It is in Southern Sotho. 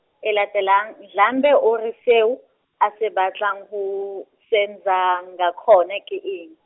e latelang, Ndlambe o re seo, a se batlang ho, Senzangakhona ke eng?